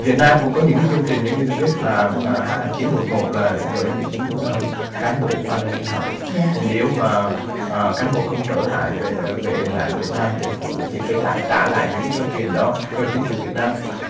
việt nam cũng có những cái chương trình những hiểu biết là ở ha chín một một lễ gửi những cán bộ qua đây đi học thì nếu mà ở cán bộ không trở lại về về lại việt nam để phục vụ thì phi lại trả lại những cái số tiền đó cho chính phủ việt nam